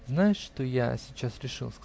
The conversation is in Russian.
-- Знаешь, что я сейчас решил?